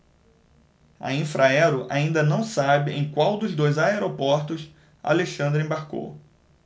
a infraero ainda não sabe em qual dos dois aeroportos alexandre embarcou